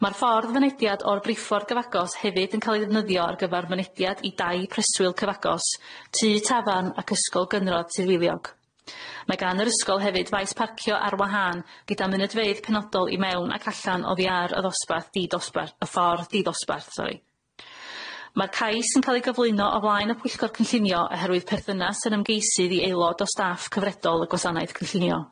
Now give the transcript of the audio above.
Ma'r ffordd fynediad o'r briffordd gyfagos hefyd yn ca'l 'i ddefnyddio ar gyfar fynediad i dai preswyl cyfagos, tŷ tafarn ac ysgol gynradd Tudweiliog. Ma' gan yr ysgol hefyd faes parcio ar wahân gyda mynedfeydd penodol i mewn ac allan oddi ar y ddosbarth di-dosbarth... y ffordd di-dosbarth sori. Ma'r cais yn ca'l 'i gyflwyno o flaen y pwyllgor cynllunio oherwydd perthynas yr ymgeisydd i aelod o staff cyfredol y gwasanaeth cynllunio.